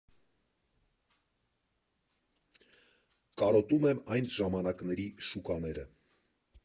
Կարոտում եմ այն ժամանակների շուկաները.